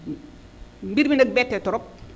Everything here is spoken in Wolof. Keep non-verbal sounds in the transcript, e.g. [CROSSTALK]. [NOISE] mbir mi nag bette trop